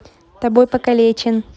тобой покалечен